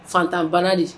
Fatanbana de j